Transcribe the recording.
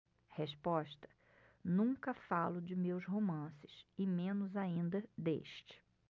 resposta nunca falo de meus romances e menos ainda deste